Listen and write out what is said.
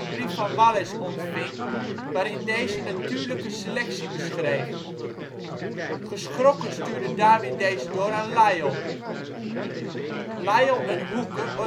brief van Wallace ontving, waarin deze natuurlijke selectie beschreef. Geschrokken stuurde Darwin deze door aan Lyell. Lyell en Hooker organiseerden